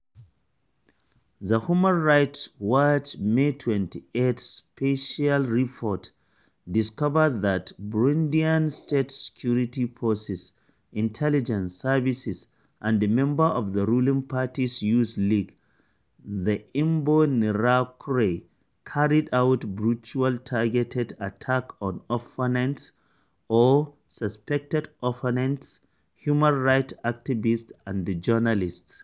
The Human Rights Watch May 2018 special report discovered that Burundian state security forces, intelligence services, and members of the ruling party’s youth league, the Imbonerakure, carried out brutal, targeted attacks on opponents or suspected opponents, human rights activists, and journalists.